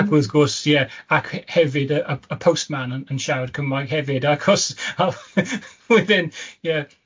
Ac wrth gwrs ie, ac he- hefyd y y y postman yn yn siarad Cymraeg hefyd, achos wedyn, ie